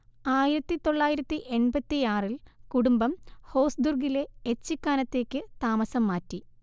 ആയിരത്തി തൊള്ളായിരത്തി എണ്‍പത്തിയാറിൽ കുടുംബം ഹോസ്ദുർഗ് ലെ ഏച്ചിക്കാനത്തേക്ക് താമസം മാറ്റി